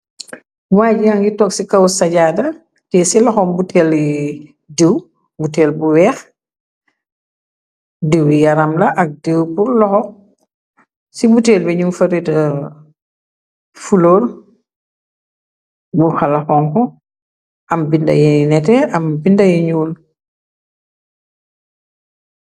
Waa jangi tog ci kaw sajaada te ci loxom butel diw butel bu weex diiwy yaram la ak diw bu loxo ci buteel bi ñyung fa rita fuloor bur xala xonk am binda yi nete am binda yi ñuul.